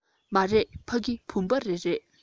མ རེད ཕ གི བུམ པ རི རེད